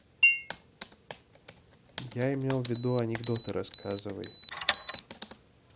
я имел ввиду анекдоты рассказывай